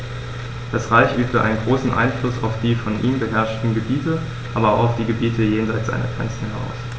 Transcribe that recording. Das Reich übte einen großen Einfluss auf die von ihm beherrschten Gebiete, aber auch auf die Gebiete jenseits seiner Grenzen aus.